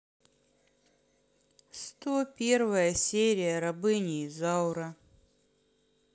сто первая серия рабыня изаура